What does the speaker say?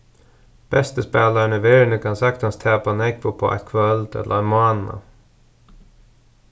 besti spælarin í verðini kann saktans tapa nógv uppá eitt kvøld ella ein mánaða